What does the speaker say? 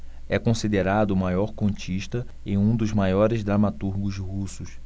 é considerado o maior contista e um dos maiores dramaturgos russos